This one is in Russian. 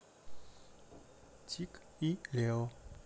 тик и лео